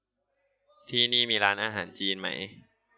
ที่นี่มีร้านอาหารจีนไหม